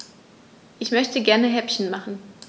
Ich möchte gerne Häppchen machen.